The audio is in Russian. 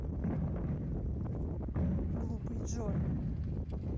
глупый джой